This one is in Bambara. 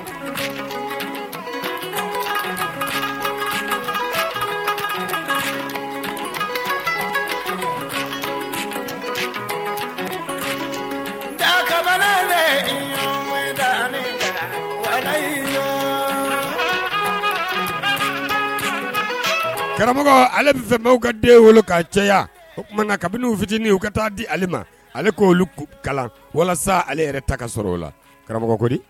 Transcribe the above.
Karamɔgɔ ale fɛ mɔgɔw ka den wolo ka caya o tuma kabiniw fitinin u ka taa di ale ma ale ko olu kalan walasa ale yɛrɛ taga sɔrɔ o la